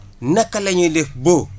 naka la ñuy def ba